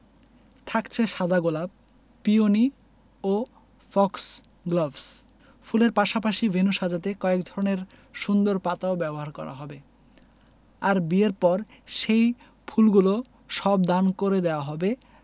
থাকছে সাদা গোলাপ পিওনি ও ফক্সগ্লোভস ফুলের পাশাপাশি ভেন্যু সাজাতে কয়েক ধরনের সুন্দর পাতাও ব্যবহার করা হবে আর বিয়ের পর সেই ফুলগুলো সব দান করে দেওয়া হবে